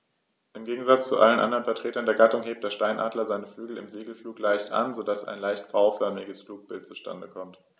Im Gegensatz zu allen anderen Vertretern der Gattung hebt der Steinadler seine Flügel im Segelflug leicht an, so dass ein leicht V-förmiges Flugbild zustande kommt.